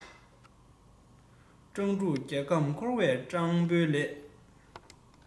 སྤྲང ཕྲུག རྒྱལ ཁམས བསྐོར བ སྤྲང པོའི ལས